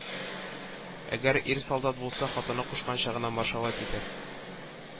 Әгәр ир солдат булса хатыны кушканча гына маршавайт итәр